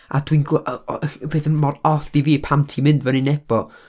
A dwi'n gwe- o a ll- peth yn mynd mor od i fi, pan ti'n mynd fyny Nebo.